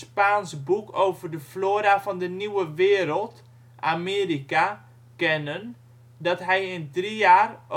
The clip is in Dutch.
Spaans boek over de Flora van de Nieuwe wereld (Amerika) kennen, dat hij in drie jaar